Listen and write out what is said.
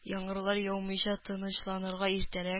Яңгырлар яумыйча, тынычланырга иртәрәк